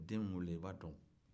den min b'o la i b'a dɔn